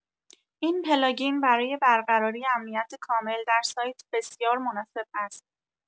این پلاگین برای برقراری امنیت کامل در سایت بسیار مناسب است.